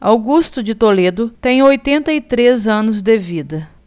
augusto de toledo tem oitenta e três anos de vida